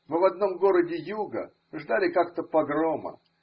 Мы в одном городе Юга ждали как-то погрома.